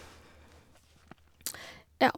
Ja.